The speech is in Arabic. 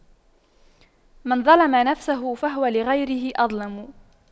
من ظَلَمَ نفسه فهو لغيره أظلم